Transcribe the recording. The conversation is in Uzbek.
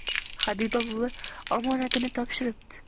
habiba buvi omonatini topshiribdi